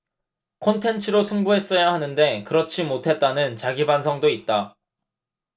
콘텐츠로 승부했어야 하는데 그렇지 못했다는 자기 반성도 있다